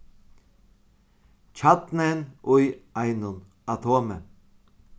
kjarnin í einum atomi